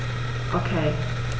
Okay.